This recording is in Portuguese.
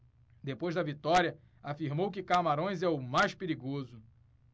depois da vitória afirmou que camarões é o mais perigoso